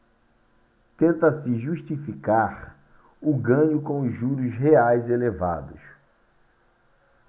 tenta-se justificar o ganho com os juros reais elevados